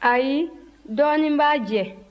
ayi dɔɔnin b'a jɛ